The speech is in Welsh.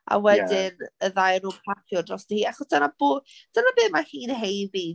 A wedyn y ddau o nhw'n paffio drosti achos dyna bo- dyna beth mae hi'n haeddu.